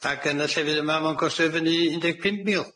ac yn y llefydd yma ma' o'n costio fyny i un deg pump mil